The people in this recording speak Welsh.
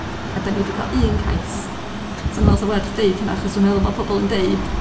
A dan ni 'di cael un cais. So o'n i'n meddwl 'sa fo werth dweud, achos dwi'n meddwl ma' pobl yn dweud...